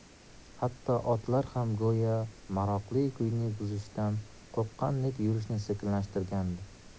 hatto otlar ham go'yo maroqli kuyni buzishdan qo'rqqandek yurishini sekinlashtirgandi